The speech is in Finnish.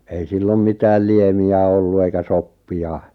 ei silloin mitään liemiä ollut eikä soppia